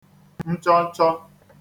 nchọnchọ